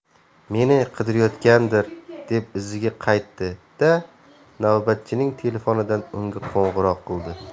meni qidirayotgandir deb iziga qaytdi da navbatchining telefonidan unga qo'ng'iroq qildi